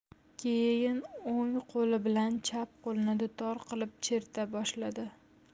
keyin o'ng qo'li bilan chap qo'lini dutor qilib cherta boshladi